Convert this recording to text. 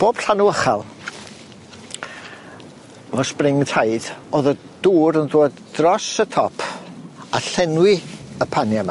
Bob llanw ychal o Spring Tide o'dd y dŵr yn dwad dros y top a llenwi y pania 'ma.